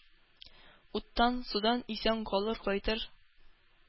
Уттан, судан исән алып кайтыр